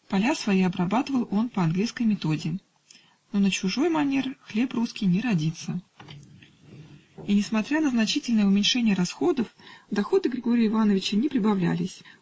Поля свои обрабатывал он по английской методе: Но на чужой манер хлеб русский не родится, и несмотря на значительное уменьшение расходов, доходы Григорья Ивановича не прибавлялись